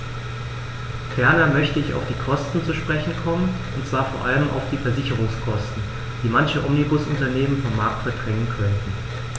Ferner möchte ich auf die Kosten zu sprechen kommen, und zwar vor allem auf die Versicherungskosten, die manche Omnibusunternehmen vom Markt verdrängen könnten.